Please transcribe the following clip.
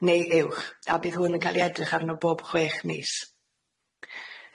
neu uwch a bydd hwn yn ca'l ei edrych arno bob chwech mis.